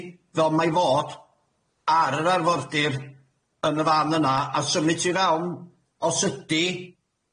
fel ma'i fod ar yr arfordir yn y fan yna a symud ti fewn os ydi,